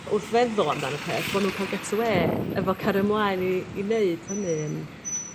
wrth feddwl amdan y peth bo' nw'n ca'l get awê efo cario mlaen i i neud hynny yn